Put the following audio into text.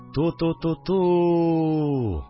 – ту-ту-ту-тууу